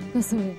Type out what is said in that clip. Kosɛbɛ.